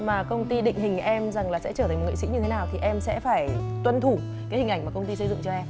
mà công ty định hình em rằng là sẽ trở thành một nghệ sĩ như thế nào thì em sẽ phải tuân thủ cái hình ảnh mà công ty xây dựng cho em